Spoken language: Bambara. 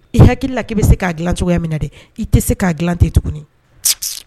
I hakilila ki bi se ka gilan cogoya min na dɛ, i tɛ se ka gilan ten